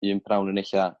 un pnawn yn ella